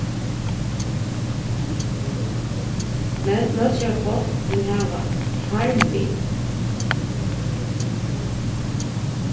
men nólsoyar páll vil hava farm við